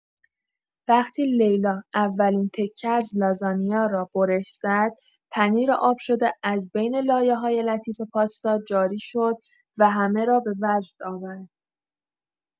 وقتی لیلا اولین تکه از لازانیا را برش زد، پنیر آب‌شده از بین لایه‌های لطیف پاستا جاری شد و همه را به وجد آورد.